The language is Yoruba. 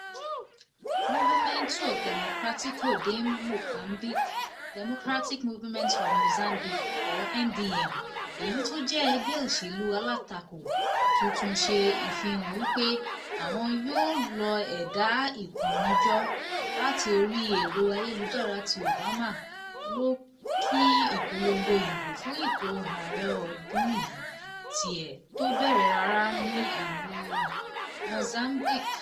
Movimento Democrático de Moçambique (Democratic Movement of Mozambique, or MDM) èyí tó jẹ́ ẹgbẹ́ òṣèlú alátakò tuntun ṣe ìfihàn wipe àwọn yóò lo ẹ̀da ìkónijọ láti orí ẹ̀rọ ayélujára tí “Obama” lò kí ìpolongo ìbò fún ipò Aàre ọ́dún yìí tiẹ̀ tó bẹ̀rẹ̀ rárá ní ìlu Mozambique